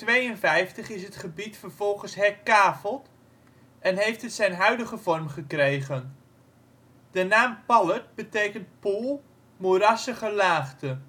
1952 is het gebied vervolgens herkaveld en heeft het zijn huidige vorm gekregen. De naam Pallert betekent poel, moerassige laagte